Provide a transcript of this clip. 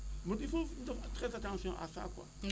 moo tax foofu ñu def très attention à ça quoi